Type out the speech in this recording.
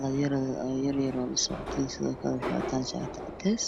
dhalinyaro yar yar oo lasocoto sidookale waxey. wadtaa shaati cadees